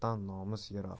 nomarddan nomus yiroq